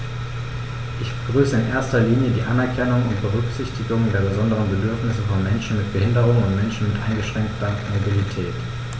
Ich begrüße in erster Linie die Anerkennung und Berücksichtigung der besonderen Bedürfnisse von Menschen mit Behinderung und Menschen mit eingeschränkter Mobilität.